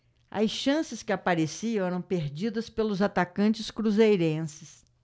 as chances que apareciam eram perdidas pelos atacantes cruzeirenses